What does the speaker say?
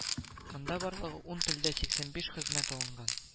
Монда барлыгы ун телдә сиксән биш хезмәт алынган